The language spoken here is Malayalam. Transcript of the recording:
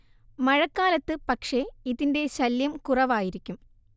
മഴക്കാലത്ത് പക്ഷേ ഇതിന്റെ ശല്യം കുറവായിരിക്കും